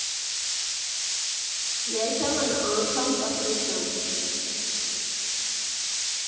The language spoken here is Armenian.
Երբեմն անգամ տխրության։